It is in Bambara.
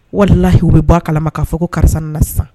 Walahi u be bɔ a kalama k'a fɔ ko karisa nana sisan